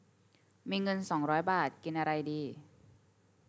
มีเงินสองร้อยบาทกินอะไรดี